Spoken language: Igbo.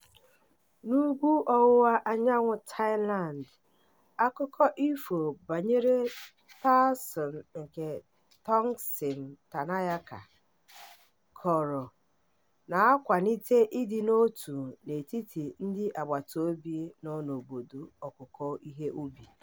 N'ugwu ọwụwa anyanwụ Thailand, akụkọ ifo banyere Ta Sorn nke Tongsin Tanakaya kọrọ na-akwalite ịdị n'otu n'etiti ndị agbata obi nọ n'obodo ọkụkọ ihe ubi.